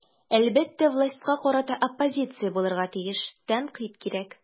Әлбәттә, властька карата оппозиция булырга тиеш, тәнкыйть кирәк.